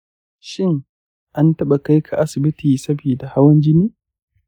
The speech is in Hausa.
shin, an taɓa kaika asibiti saboda hauhawar jini?